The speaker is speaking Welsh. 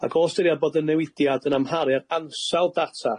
ac o ystyriad bod y newidiad yn amharu'r ansawdd data